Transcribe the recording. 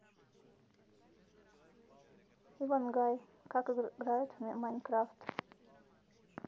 ивангай как играют в minecraft